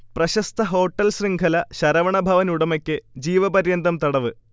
പ്രശസ്ത ഹോട്ടൽ ശൃംഖല ശരവണഭവൻ ഉടമയ്ക്ക് ജീവപര്യന്തം തടവ്